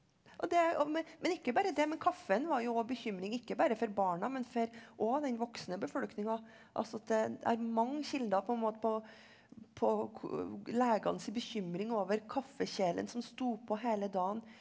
og det og men ikke bare det men kaffen var jo òg bekymring ikke bare for barna men for òg den voksne befolkninga altså jeg har mange kilder på en måte på på legene sin bekymring over kaffekjelen som stod på hele dagen.